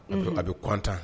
A bɛ kɔntan